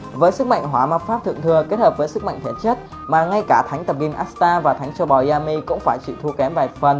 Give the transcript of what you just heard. với sức mạnh hỏa ma pháp thượng thừa kết hợp với sức mạnh thể chất mà ngay cả thánh tập gym asta và thánh trâu bò yami cũng phải chịu thua kém vài phần